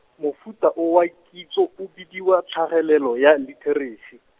mofuta o wa kitso o bidiwa tlhagelelo ya litheresi.